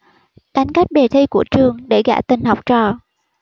đánh cắp đề thi của trường để gạ tình học trò